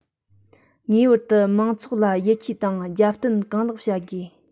ངེས པར དུ མང ཚོགས ལ ཡིད ཆེས དང རྒྱབ རྟེན གང ལེགས བྱ དགོས